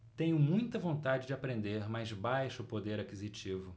tenho muita vontade de aprender mas baixo poder aquisitivo